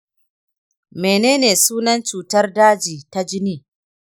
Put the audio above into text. menene sunan cutar daji ta jini?